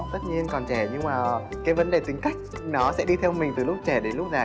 tất nhiên còn trẻ nhưng mà cái vấn đề tính cách nó sẽ đi theo mình từ lúc trẻ đến lúc già